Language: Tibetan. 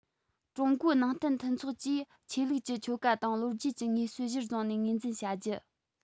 ཀྲུང གོའི ནང བསྟན མཐུན ཚོགས ཀྱིས ཆོས ལུགས ཀྱི ཆོ ག དང ལོ རྒྱུས ཀྱི ངེས སྲོལ གཞིར བཟུང ནས ངོས འཛིན བྱ རྒྱུ